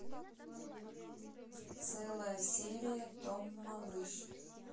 целая серия том малыш